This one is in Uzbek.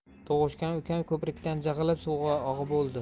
tug'ushgan ukam ko'prikdan jig'ilib suvg'a og'ib o'ldi